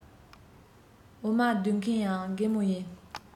འོ མ ལྡུད མཁན ཡང རྒན མོ ཡིན